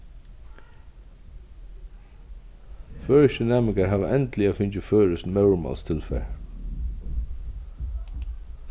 føroyskir næmingar hava endiliga fingið føroyskt móðurmálstilfar